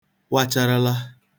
wacharala